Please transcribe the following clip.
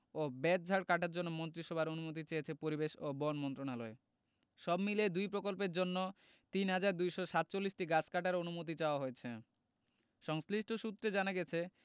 ও বেতঝাড় কাটার জন্য মন্ত্রিসভার অনুমতি চেয়েছে পরিবেশ ও বন মন্ত্রণালয় সবমিলিয়ে দুই প্রকল্পের জন্য ৩হাজার ২৪৭টি গাছ কাটার অনুমতি চাওয়া হয়েছে সংশ্লিষ্ট সূত্রে জানা গেছে